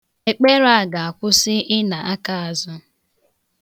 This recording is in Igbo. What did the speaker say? Ndị uweojii ga-akwụsị ịna akaazụ.